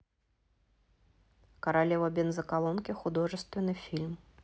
королева бензоколонки художественный фильм